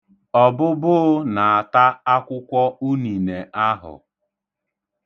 Ọbụbụụ na-ata akwụkwọ unine ahụ.